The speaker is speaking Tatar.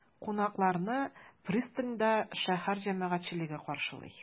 Кунакларны пристаньда шәһәр җәмәгатьчелеге каршылый.